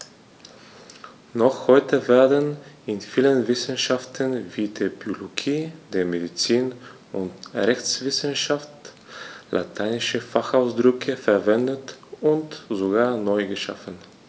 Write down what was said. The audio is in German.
Noch heute werden in vielen Wissenschaften wie der Biologie, der Medizin und der Rechtswissenschaft lateinische Fachausdrücke verwendet und sogar neu geschaffen.